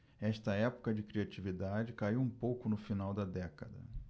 esta época de criatividade caiu um pouco no final da década